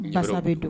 Basa bɛ don